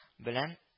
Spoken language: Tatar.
Белән